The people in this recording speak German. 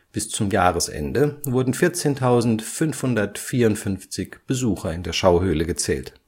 Bis zum Jahresende wurden 14.554 Besucher in der Schauhöhle gezählt